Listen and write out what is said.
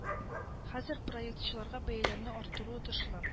Хәзер проектчыларга бәяләрне арттыру отышлы